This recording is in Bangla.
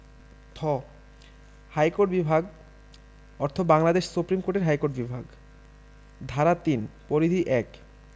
থ ইহাকোর্ট বিভাগ অর্থ বাংলাদেশ সুপ্রীম কোর্টের হাইকোর্ট বিভাগ ধারা ৩ পরিধি ১